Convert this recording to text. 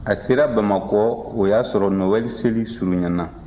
a sera bamakɔ a y'a sɔrɔ nowɛli seli surunyana